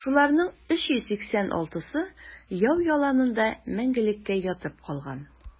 Шуларның 386-сы яу яланында мәңгелеккә ятып калган.